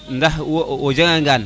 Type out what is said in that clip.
ndax wo o janga ngaan